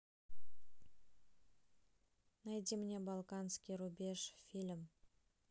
найди мне балканский рубеж фильм